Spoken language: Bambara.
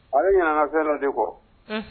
Ale ɲinɛna fɛn dɔ de kɔ, un.